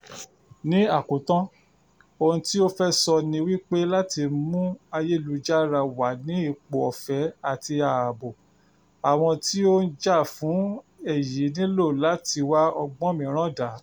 Ní àkótán, ohun tí ó fẹ́ sọ ní wípé láti mú ayélujára wà ní ipò ọ̀fẹ́ àti ààbò, àwọn tí ó ń jà fún èyí nílò láti wá ọgbọ́n mìíràn dá.